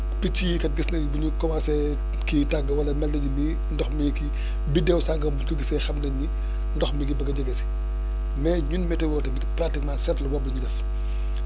picc yi kat gis nañ bu ñu commencé kii tàgg wala mel na ni nii ndox mi kii biddéew sangam bu ñu ko gisee xam nañ ni ndax mi ngi bëgg a jege si mais ñun météo tamit pratiquement seetlu la bu ñu def